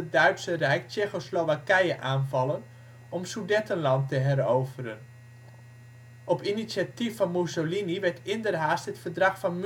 Duitse rijk Tsjecho-Slowakije aanvallen om Sudetenland te heroveren. Op initiatief van Mussolini werd inderhaast het verdrag van